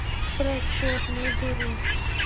про черную дыру